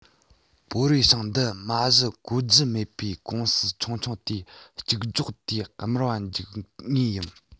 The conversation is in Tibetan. པོ རུའེ ཞང འདི མ གཞི གོ རྒྱུ མེད པའི ཀུང སི ཆུང ཆུང དེ གཅིག སྒྱོགས དེ དམར བ འཇུག ངེས ཡིན